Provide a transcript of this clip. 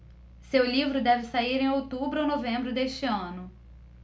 seu livro deve sair em outubro ou novembro deste ano